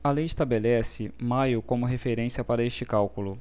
a lei estabelece maio como referência para este cálculo